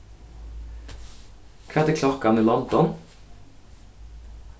hvat er klokkan í london